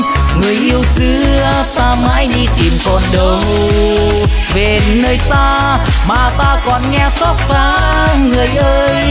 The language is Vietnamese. người yêu xưa ta mãi đi tìm còn đâu về nơi xa lòng ta càng nghe xót xa người ơi